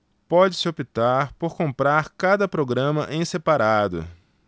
pode-se optar por comprar cada programa em separado